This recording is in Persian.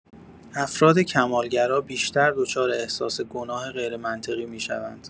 افراد کمال‌گرا بیشتر دچار احساس گناه غیرمنطقی می‌شوند.